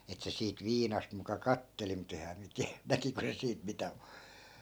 että se siitä viinasta muka katseli mutta enhän minä tiedä näkikö se siitä mitä -